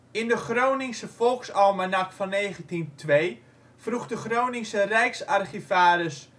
In de Groningsche Volksalmanak van 1902 vroeg de Groningse Rijksarchivaris